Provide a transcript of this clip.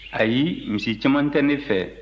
ayi misi caman tɛ ne fɛ